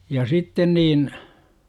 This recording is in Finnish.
ja sitten niin